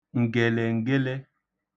ǹgèlèǹgele